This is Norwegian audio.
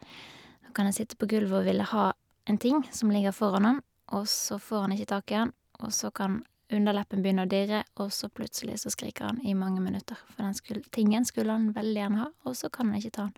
Nå kan han sitte på gulvet og ville ha en ting som ligger foran han, og så får han ikke tak i han, og så kan underleppen begynne å dirre, og så plutselig så skriker han i mange minutter fordi han skull tingen skulle han veldig gjerne ha, og så kan han ikke ta han.